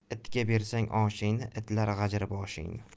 itga bersang oshingni itlar g'ajir boshingni